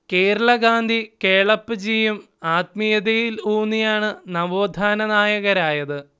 കേരള ഗാന്ധി കേളപ്പജിയും ആത്മീയതയിൽ ഊന്നിയാണ് നവോത്ഥാന നായകരായത്